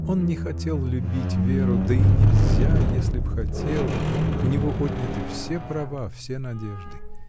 Он не хотел любить Веру, да и нельзя, если б хотел: у него отняты все права, все надежды.